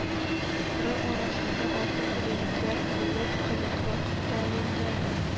Ры арасында алтын беләзекләр булып казылык телемнәре